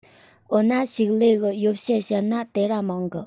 འོ ན ཕྱུགས ལས གི ཡོ བྱད བཤད ན དེ ར མང གི